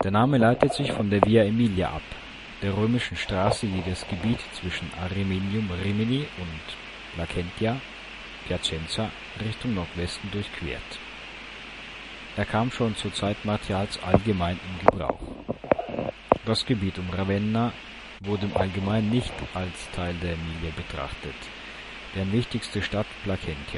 Name leitet sich von der Via Aemilia ab, der römischen Straße, die das Gebiet zwischen Ariminium (Rimini) und Placentia (Piacenza) Richtung Nordwesten durchquert. Er kam schon zur Zeit Martials allgemein in Gebrauch. Das Gebiet um Ravenna wurde im Allgemeinen nicht als Teil der Aemilia betrachtet, deren wichtigste Stadt Placentia war. Im 4.